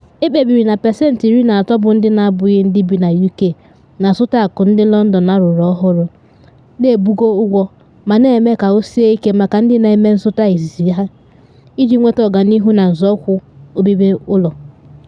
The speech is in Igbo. Ekpebiri na pasentị 13 bụ ndị na abụghị ndị bi na UK na azụta akụ ndị London arụrụ ọhụrụ, na ebugo ụgwọ ma na eme ka o sie ike maka ndị na eme nzụta izizi ha iji nweta ọganihu n’nzọụkwụ obibi ụlọ.